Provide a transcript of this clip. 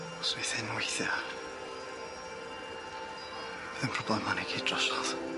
Osneith hyn weithia bydd 'yn problema ni gyd drosodd.